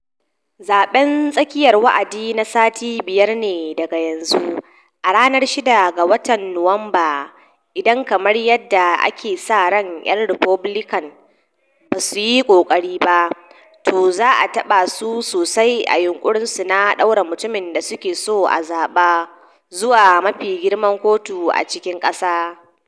zaben tsakiyar wa’adi na sati biyar ne daga yanzu, a ranar 6 ga watan Nuwamba - idan, kamar yadda ake sa ran, 'yan Republican ba su yi kokari ba, to, za a taba su sosai a yunkurin su na daura mutumin da suke so a zaba zuwa mafi girman kotu a cikin kasa.